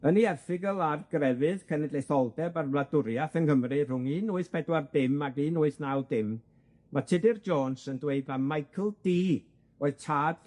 Yn 'i erthygl ar grefydd cenedlaetholdeb a'r wladwriath yng Nghymru rhwng un wyth pedwar dim ag un wyth naw dim, mae Tudur Jones yn dweud ma' Michael Dee oedd tad